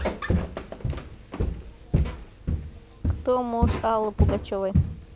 кто муж аллы пугачевой